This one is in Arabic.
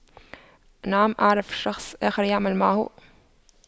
نعم اعرف شخص آخر يعمل معه